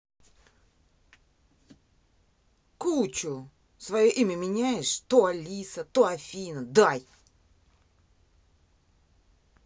кучу свое имя меняешь то алиса то афина дай